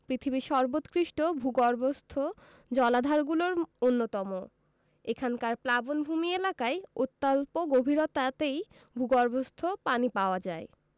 পৃথিবীর সর্বোৎকৃষ্টভূগর্ভস্থ জলাধারগুলোর অন্যতম এখানকার প্লাবনভূমি এলাকায় অত্যল্প গভীরতাতেই ভূগর্ভস্থ পানি পাওয়া যায়